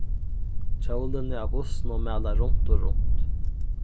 hjólini á bussinum mala runt og runt